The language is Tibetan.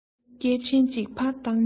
སྐད འཕྲིན གཅིག བཏང གཉིས བཏང